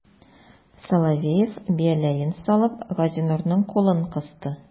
Соловеев, бияләен салып, Газинурның кулын кысты.